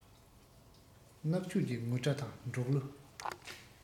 གནག ཕྱུགས ཀྱི ངུར སྒྲ དང འབྲོག གླུ